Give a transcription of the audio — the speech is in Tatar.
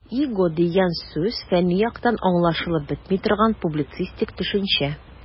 "иго" дигән сүз фәнни яктан аңлашылып бетми торган, публицистик төшенчә.